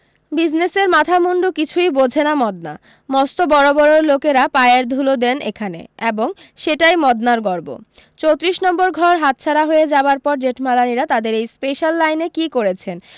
বিজনেসের মাথামুন্ডু কিছুই বোঝে না মদনা মস্ত বড় বড় লোকেরা পায়ের ধুলো দেন এখানে এবং সেটাই মদনার গর্ব চোত্রিশ নম্বর ঘর হাতছাড়া হয়ে যাবার পর জেঠমালানিরা তাদের এই স্পেশাল লাইনে কী করেছেন